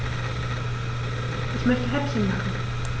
Ich möchte Häppchen machen.